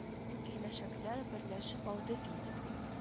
Бу килмешәкләр берләшеп алды бит